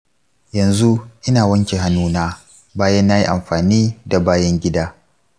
yanzu ina wanke hanuna bayan nayi amfani da bayan gida.